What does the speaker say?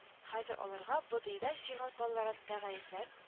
Хәзер аларга БДИда җыйган балларын тәгаенләм